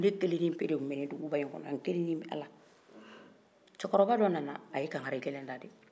ne kelenni pe de tun bɛ nin duguba bɛɛ kɔnɔ n kelen ni ala cɛkɔrɔba dɔ nana a ye kankari gɛlɛn da dɛ